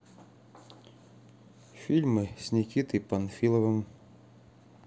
фильмы с никитой панфиловым